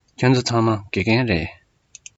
ཁྱེད ཚོ ཚང མ དགེ རྒན རེད